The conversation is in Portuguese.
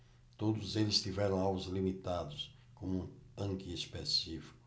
todos eles tiveram alvos limitados como um tanque específico